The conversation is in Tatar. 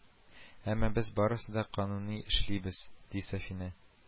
Әмма без барысын да кануни эшлибез , ди Сафина